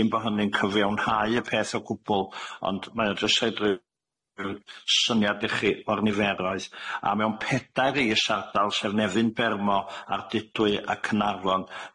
dim bo' hynny'n cyfiawnhau y peth o gwbwl ond mae o jyst rhaid ryw sy- syniad i chi o'r niferoedd a mewn pedair is-ardal sef Nefyn Bermo a Ardudwy a Caernarfon.